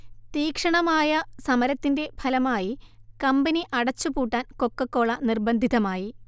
തീക്ഷണമായ സമരത്തിന്റെ ഫലമായി കമ്പനി അടച്ചുപൂട്ടാൻ കൊക്കക്കോള നിർബന്ധിതമായി